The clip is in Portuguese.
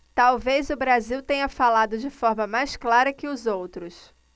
talvez o brasil tenha falado de forma mais clara que os outros